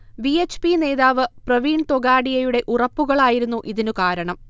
V. H. P. നേതാവ് പ്രവീൺ തൊഗാഡിയയുടെ ഉറപ്പുകളായിരുന്നു ഇതിന് കാരണം